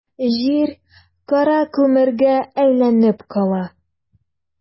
Җир кара күмергә әйләнеп кала.